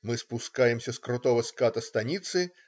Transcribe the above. Мы спускаемся с крутого ската станицы.